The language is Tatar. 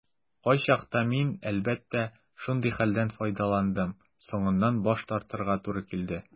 Кайчакта мин, әлбәттә, шундый хәлдән файдаландым - соңыннан баш тартырга туры килде.